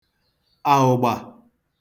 àụ̀gbà